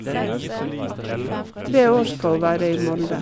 Tre år skal hun være i Molde.